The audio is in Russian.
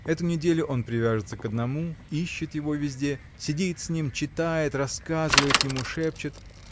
Эту неделю он привяжется к одному, ищет его везде, сидит с ним, читает, рассказывает ему, шепчет.